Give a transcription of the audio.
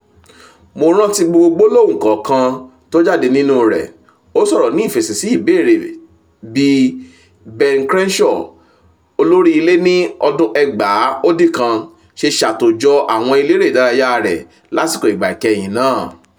“Mo ránti gbogbo gbolohun kọ̀ọ̀kan tó jẹ jáde nínú rẹ̀,” ó sọ̀rọ̀ ní ìfèsì sí ìbéèrè bí Ben Crenshaw, olórí ilé ní 1999, ṣe ṣàtòjọ̀ àwọn eléré ìdárayá rẹ̀ lásìkò ìgbà ìkẹ̀hìn náà.